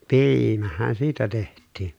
piimähän siitä tehtiin